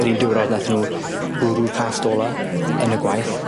Yr un diwrnod nathon nw bwrw'r cast ola. Hmm. Yn y gwaith.